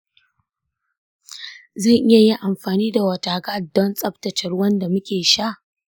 zan iya yin amfani da waterguard don tsaftace ruwan da muke sha?